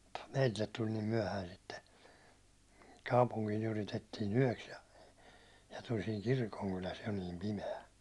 ja mutta meille tuli niin myöhään sitten kaupunkiin yritettiin yöksi ja ja tuli siinä kirkonkylässä jo niin pimeä